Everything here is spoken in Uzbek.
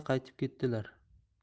kirmay qaytib ketdilar